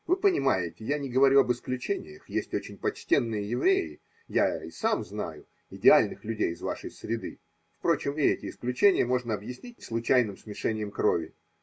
(Вы понимаете, я не говорю об исключениях – есть очень почтенные евреи, я сам знаю идеальных людей из вашей среды: впрочем, и эти исключения можно объяснить случайным смешением крови